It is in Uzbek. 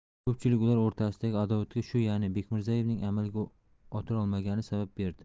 ko'pchilik ular o'rtasidagi adovatga shu yani bekmirzaevning amalga o'tirolmagani sabab derdi